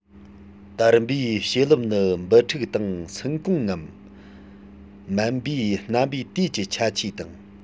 དར འབུའི ཕྱེ ལེབ ནི འབུ ཕྲུག དང སིན གོང ངམ མལ འབུའི རྣམ པའི དུས ཀྱི ཁྱད ཆོས དང